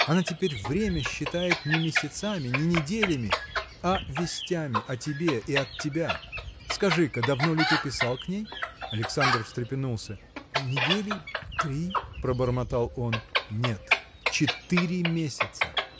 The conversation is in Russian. Она теперь время считает не месяцами не неделями а вестями о тебе и от тебя. Скажи-ка, давно ли ты писал к ней? Александр встрепенулся. – Недели. три, – пробормотал он. – Нет: четыре месяца!